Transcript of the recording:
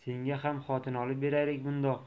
senga ham xotin olib beraylik bundoq